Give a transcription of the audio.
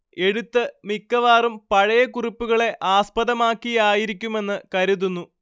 എഴുത്ത് മിക്കവാറും പഴയ കുറിപ്പുകളെ ആസ്പദമാക്കിയായിരിക്കുമെന്ന് കരുതുന്നു